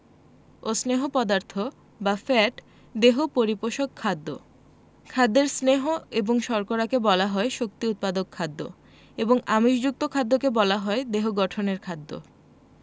ও স্নেহ পদার্থ বা ফ্যাট দেহ পরিপোষক খাদ্য খাদ্যের স্নেহ এবং শর্করাকে বলা হয় শক্তি উৎপাদক খাদ্য এবং আমিষযুক্ত খাদ্যকে বলা হয় দেহ গঠনের খাদ্য